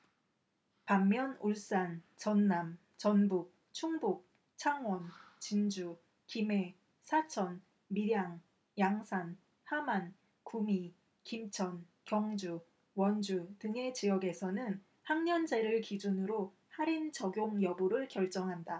반면 울산 전남 전북 충북 창원 진주 김해 사천 밀양 양산 함안 구미 김천 경주 원주 등의 지역에서는 학년제를 기준으로 할인 적용 여부를 결정한다